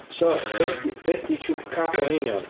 So be 'di... be 'di Chupacabra yn union?